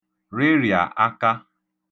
rịrị̀à aka